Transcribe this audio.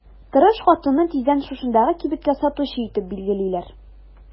Тырыш хатынны тиздән шушындагы кибеткә сатучы итеп билгелиләр.